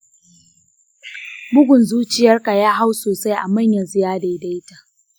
bugun zuciyanka ya hau sosai amma yanxu ya daidaita.